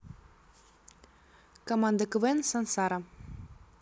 команда квн сансара